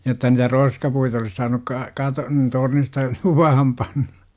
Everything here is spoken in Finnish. että niitä roskapuita olisi saanut - katon tornista luvaan panna